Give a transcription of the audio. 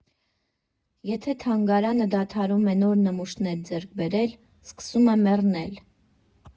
Երբ թանգարանը դադարում է նոր նմուշներ ձեռք բերել, սկսում է մեռնել։